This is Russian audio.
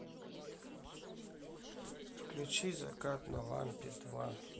включи закат на лампе два